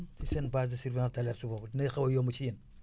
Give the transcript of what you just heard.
ci seen base de surveillance d' alerte boobu nay xaw a yomb ci yéen